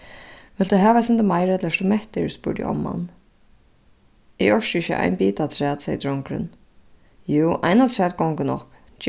vilt tú hava eitt sindur meira ella ert tú mettur spurdi omman eg orki ikki ein bita afturat segði drongurin jú ein afturat gongur nokk